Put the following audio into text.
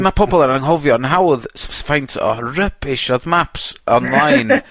...ma' pobol yn anghofio'n hawdd s- ff- faint o rubbish odd maps online...